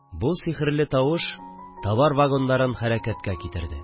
Бу сихерле тавыш товар вагоннарын хәрәкәткә китерде